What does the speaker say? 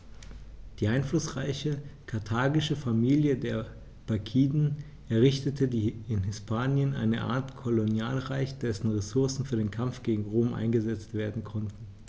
Die einflussreiche karthagische Familie der Barkiden errichtete in Hispanien eine Art Kolonialreich, dessen Ressourcen für den Kampf gegen Rom eingesetzt werden konnten.